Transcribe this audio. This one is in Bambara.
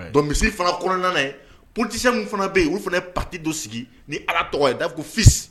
Donc misiri fara kɔnɔna na yen, politicien minnu fana bɛ yen olu fana parti dɔ sigi ni Ala tɔgɔ ye daf ko FIS